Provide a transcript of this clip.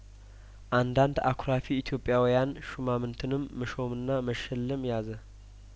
አንዳንድ አኩራፊ ኢትዮጵያውያን ሹማምንትንም መሾምና መሸለም ያዘ